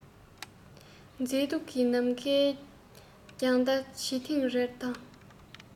མཛེས སྡུག གི ནམ མཁའི རྒྱང ལྟ བྱེད ཐེངས རེ དང